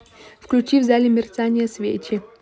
включи в зале мерцание свечи